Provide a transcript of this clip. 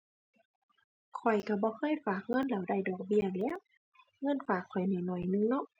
ข้อยก็บ่เคยฝากเงินแล้วได้ดอกเบี้ยแหล้ว เงินฝากข้อยน้อยน้อยหนึ่งเนาะ